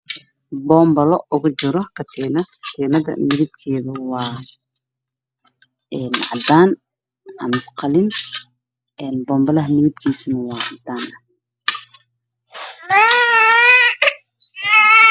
Waa boonbalo waxaa kujiro katiinad kalarkeedu waa cadaan, boonbaluhu waa cadaan.